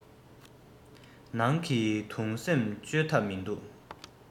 ནང གི དུང སེམས ཆོད ཐབས མིན འདུག